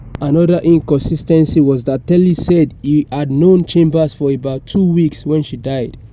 Another inconsistency was that Tellis said he had known Chambers for about two weeks when she died.